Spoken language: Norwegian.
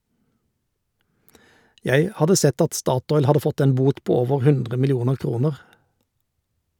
Jeg hadde sett at statoil hadde fått en bot på over 100 millioner kroner.